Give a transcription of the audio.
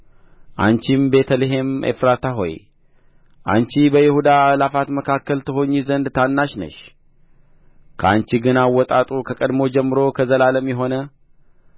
አንቺም ቤተ ልሔም ኤፍራታ ሆይ አንቺ በይሁዳ አእላፋት መካከል ትሆኚ ዘንድ ታናሽ ነሽ ከአንቺ ግን አወጣጡ ከቀድሞ ጀምሮ ከዘላለም የሆነ